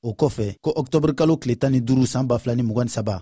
o kɔfɛ ko ɔkutɔburukalo tile tan ni duuru san 2023